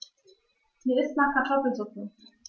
Mir ist nach Kartoffelsuppe.